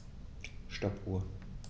Stoppuhr.